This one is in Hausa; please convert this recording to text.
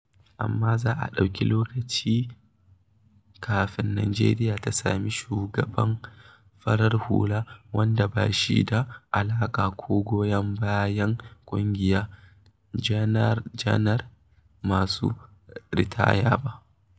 Amma za a ɗauki lokaci kafin Najeriya ta sami shugaban farar hula wanda ba shi da alaƙa ko goyon bayan "ƙungiyar" janar-janar masu ritaya ba.